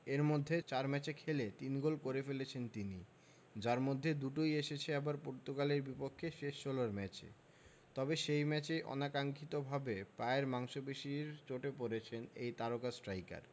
এর মধ্যে ৪ ম্যাচে খেলে ৩ গোল করে ফেলেছেন তিনি যার মধ্যে দুটোই এসেছে আবার পর্তুগালের বিপক্ষে শেষ ষোলোর ম্যাচে তবে সেই ম্যাচেই অনাকাঙ্ক্ষিতভাবে পায়ের মাংসপেশির চোটে পড়েছেন এই তারকা স্ট্রাইকার